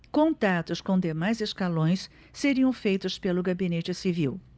contatos com demais escalões seriam feitos pelo gabinete civil